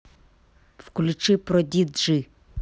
включи продиджи